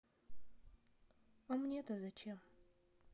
а мне то зачем